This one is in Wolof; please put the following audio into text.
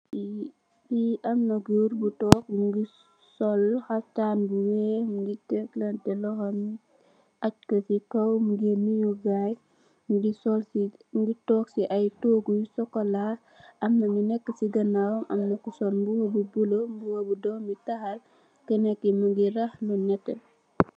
Fee amna goor bu tonke muge sol xaftaan bu weex muge teglanteh lohom ye ajj ku se kaw muge noyu gaye muge sol se muge tonke se aye toogu yu sukola amna nu neka se ganawam amna ku sol mubu bu bulo muba bu dome tahal kenake muge rah lu neteh.